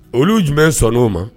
Olu jumɛn sɔnnna o ma?